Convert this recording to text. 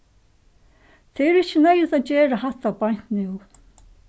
tað er ikki neyðugt at gera hatta beint nú